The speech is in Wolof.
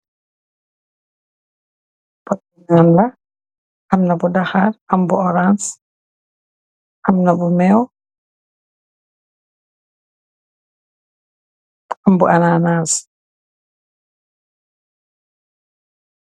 Ap bula amna bu daxar am bu orance amna bu meew am bu ananass.